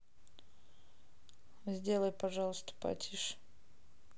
сделай пожалуйста потише